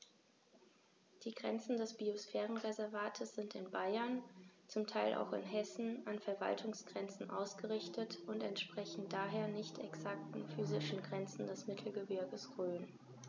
Die Grenzen des Biosphärenreservates sind in Bayern, zum Teil auch in Hessen, an Verwaltungsgrenzen ausgerichtet und entsprechen daher nicht exakten physischen Grenzen des Mittelgebirges Rhön.